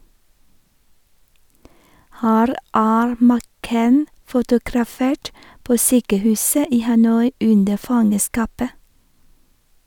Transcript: Her er McCain fotografert på sykehuset i Hanoi under fangenskapet.